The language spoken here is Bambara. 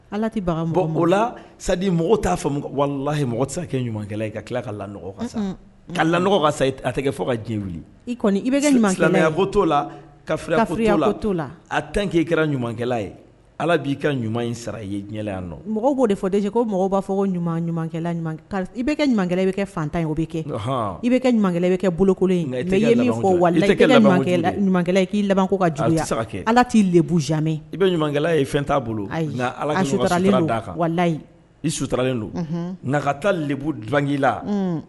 Ala t' mɔgɔ sa ka tila ka ka kɛra ye ala b'i ka ɲuman sara i yan mɔgɔ b'o de fɔ de ko mɔgɔ b' fɔ ɲuman i bɛ kɛ bɛ kɛ fatan o bɛ kɛ i bɛ bɛ kɛkolo'i laban ala t' lemɛ i bɛ ye fɛn' boloyi i sutalen donka taa le dilanla